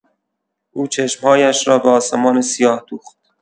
او چشم‌هایش را به آسمان سیاه دوخت.